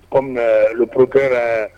Kɔmi luporokɛ